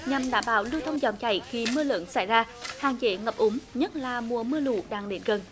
nhằm đảm bảo lưu thông dòng chảy khi mưa lớn xảy ra hạn chế ngập úng nhất là mùa mưa lũ đang đến gần